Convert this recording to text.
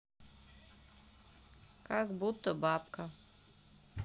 как будто бабка